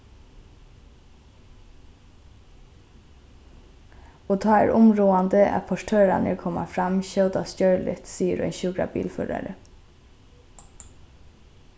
og tá er umráðandi at portørarnir koma fram skjótast gjørligt sigur ein sjúkrabilførari